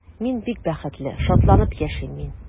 Мин бик бәхетле, шатланып яшим мин.